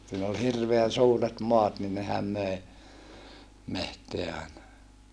siinä oli hirveän suuret maat niin nehän möi metsää aina